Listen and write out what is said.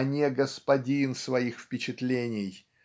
а не господин своих впечатлений